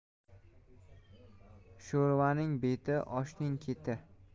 sho'rvaning beti oshning keti